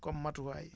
comme matuwaay